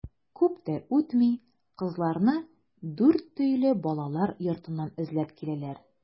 Күп тә үтми кызларны Дүртөйле балалар йортыннан эзләп киләләр.